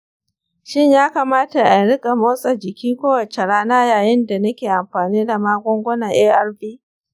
shin ya kamata in riƙa motsa jiki kowace rana yayin da nake amfani da magungunan arv?